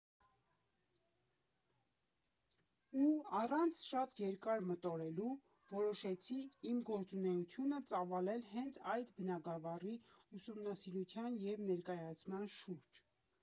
Ու առանց շատ երկար մտորելու, որոշեցի իմ գործունեությունը ծավալել հենց այդ բնագավառի ուսումնասիրության և ներկայացման շուրջ։